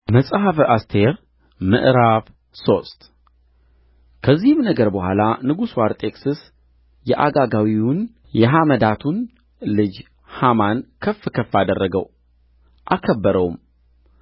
መጽሐፈ አስቴር ምዕራፍ ሶስት ከዚህም ነገር በኋላ ንጉሡ አርጤክስስ የአጋጋዊውን የሐመዳቱን ልጅ ሐማን ከፍ ከፍ አደረገው አከበረውም